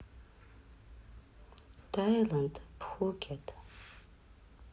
тайланд пхукет